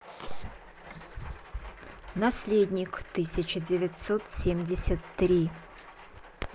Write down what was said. наследник тысяча девятьсот семьдесят три